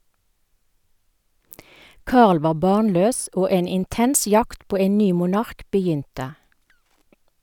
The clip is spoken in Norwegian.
Karl var barnløs, og en intens jakt på en ny monark begynte.